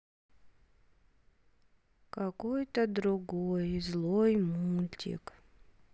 какой то другой злой мультик